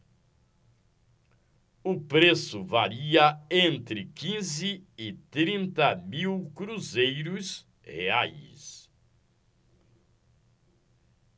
o preço varia entre quinze e trinta mil cruzeiros reais